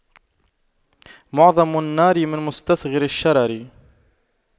معظم النار من مستصغر الشرر